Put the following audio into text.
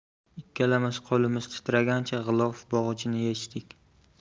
ikkalamiz qo'limiz titragancha g'ilof bog'ichini yechdik